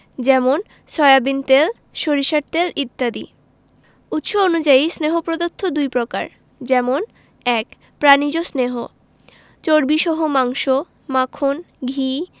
যেমন সয়াবিন তেল সরিষার তেল ইত্যাদি উৎস অনুযায়ী স্নেহ পদার্থ দুই প্রকার যেমন ১ প্রাণিজ স্নেহ চর্বিসহ মাংস মাখন ঘি